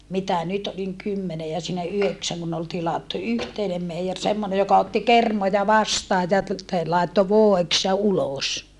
mitä nyt olin kymmenen ja siinä yhdeksän kun oli tilattu yhteinen meijeri semmoinen joka otti kermoja vastaan ja -- laittoi voiksi ja ulos